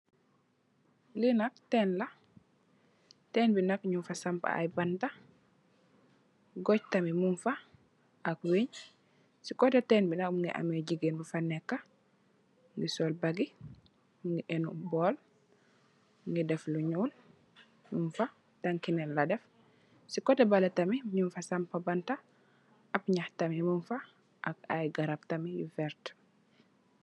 Li nak teen la teen bi ni nak nyungfa sampa i banta guch tamit Mungfa ak wenj sey koteh teen bi tamit Mungi am gigain bufa neka Mungi sol baagi Mungi enu bowl Mungi def lu nyuul Mungfa tanki neen la deff sey koteh beleh tamit nyungfa sampa banta ak nyah tamit mungfa ak i garab tamit yu vertah.